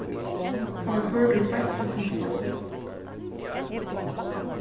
hann varð koyrdur beint upp undir jól